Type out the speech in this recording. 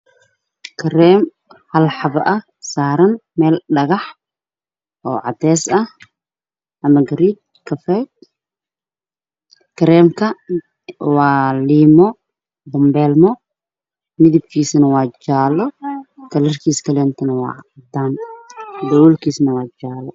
Kareen hal xabo ah oo saaran miis giriin ama kafay kareenka waa liima banbeelo midabkiisu waa jaale kalarkiisana waa cadaan